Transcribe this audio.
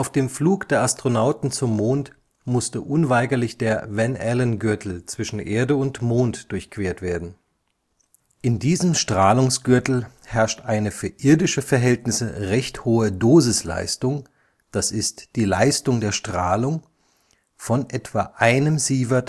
dem Flug der Astronauten zum Mond musste unweigerlich der Van-Allen-Gürtel zwischen Erde und Mond durchquert werden. In diesem Strahlungsgürtel herrscht eine für irdische Verhältnisse recht hohe Dosisleistung (Leistung der Strahlung) von etwa 1 Sv/h